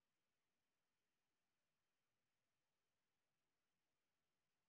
семнадцать мгновений